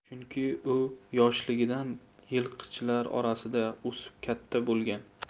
chunki u yoshligidan yilqichilar orasida o'sib katta bo'lgan